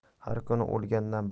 har kuni o'lgandan